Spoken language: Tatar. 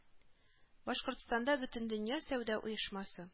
Башкортстанда Бөтендөнья сәүдә оешмасы